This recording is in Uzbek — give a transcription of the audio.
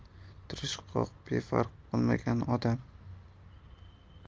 tirishqoq befarq bo'lmagan odam